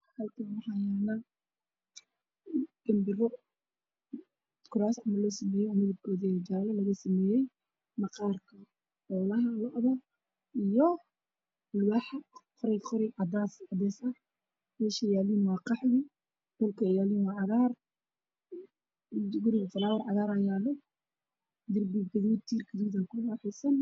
Meshaan waxaa yaalo gan baro loo sameyay sida kuraasta